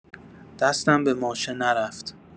دستم به ماشه نرفت.